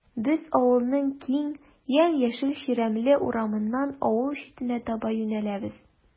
Без авылның киң, ямь-яшел чирәмле урамыннан авыл читенә таба юнәләбез.